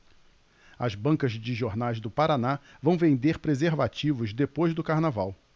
as bancas de jornais do paraná vão vender preservativos depois do carnaval